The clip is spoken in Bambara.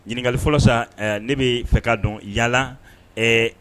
Ɲininkali fɔlɔ sa, ne bɛ fɛ ka dɔn, yala ɛɛ